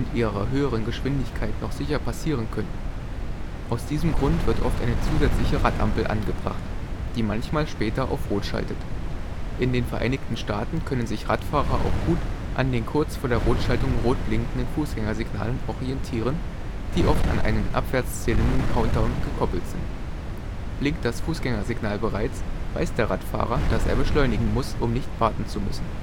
ihrer höheren Geschwindigkeit noch sicher passieren könnten. Aus diesem Grund wird oft eine zusätzliche Radampel angebracht, die manchmal später auf Rot schaltet. In den Vereinigten Staaten können sich Radfahrer auch gut an den kurz vor der Rotschaltung rot blinkenden Fußgängersignalen orientieren, die oft an einen abwärts zählenden Countdown gekoppelt sind. Blinkt das Fußgängersignal bereits, weiß der Radfahrer, dass er beschleunigen muss, um nicht warten zu müssen